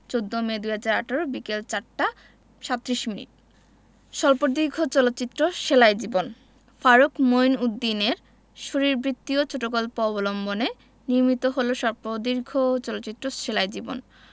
১৪মে ২০১৮ বিকেল ৪ টা ৩৭ মিনিট স্বল্পদৈর্ঘ্য চলচ্চিত্র সেলাই জীবন ফারুক মইনউদ্দিনের শরীরবৃত্তীয় ছোট গল্প অবলম্বনে নির্মিত হল স্বল্পদীর্ঘ্য চলচ্চিত্র সেলাই জীবন